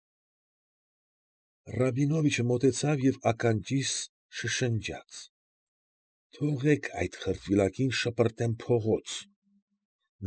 Ռաբինովիչը մոտեցավ և ականջիս շշնջաց. ֊ Թողեք այդ խրտվիլակին շպրտեմ փողոց։